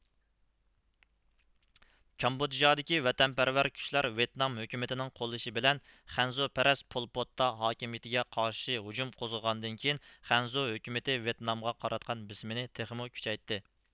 كامبودژادىكى ۋەتەنپەرۋەر كۈچلەر ۋيېتنام ھۆكۈمىتىنىڭ قوللىشى بىلەن خەنزۇپەرەس پولپوتتا ھاكىمىيىتىگە قارشى ھۇجۇم قوزغىغاندىن كېيىن خەنزۇ ھۆكۈمىتى ۋيېتنامغا قاراتقان بېسىمىنى تېخىمۇ كۈچەيتتى